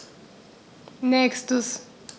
Nächstes.